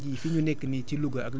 institut national de pédologie